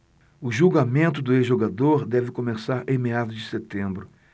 o julgamento do ex-jogador deve começar em meados de setembro